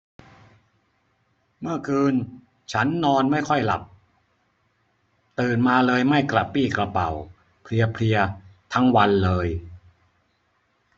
เมื่อคืนฉันนอนไม่ค่อยหลับตื่นมาเลยไม่กระปรี้กระเปร่าเพลียเพลียทั้งวันเลย